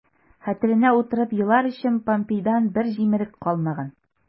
Хәтеренә утырып елар өчен помпейдан бер җимерек калмаган...